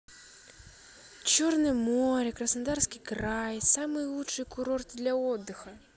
черное море краснодарский край самые лучшие курорты для отдыха